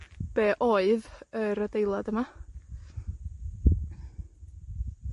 be' oedd yr adeilad yma.